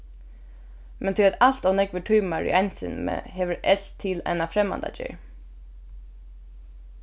men tí at alt ov nógvir tímar í einsemi hevur elvt til eina fremmandagerð